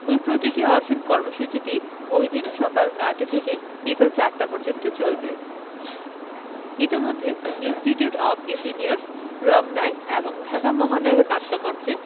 ওই প্রতীকী অনশন কর্মসূচিটি ওইদিন সকাল ৯টা থেকে বিকেল ৪টা পর্যন্ত চলবে ইতোমধ্যে ইন্সটিটিউট অব ইঞ্জিনিয়ার্স রমনায় এবং ঢাকা মহানগর নাট্যমঞ্চে